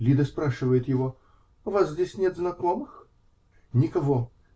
Лида спрашивает его: -- У вас здесь нет знакомых? -- Никого.